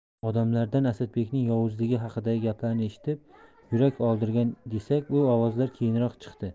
odamlardan asadbekning yovuzligi haqidagi gaplarni eshitib yurak oldirgan desak bu ovozalar keyinroq chiqdi